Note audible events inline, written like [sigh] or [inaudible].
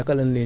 [hesitation] [hesitation]